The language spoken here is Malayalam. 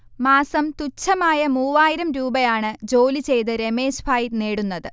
മാസം തുച്ഛമായ മൂവായിരം രൂപയാണ് ജോലി ചെയ്ത് രമേശ്ഭായ് നേടുന്നത്